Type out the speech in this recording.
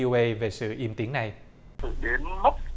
billy về sự im tiếng này đến mốc